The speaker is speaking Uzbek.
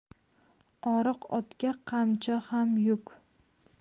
oriq otga qamchi ham yuk